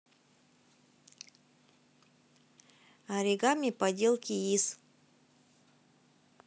оригами поделки из